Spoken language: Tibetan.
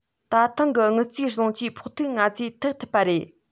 ད ཐེངས ཀྱི དངུལ རྩའི ཟིང ཆའི ཕོག ཐུག ང ཚོས ཐེག ཐུབ པ རེད